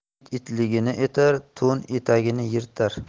it itligini etar to'n etagini yirtar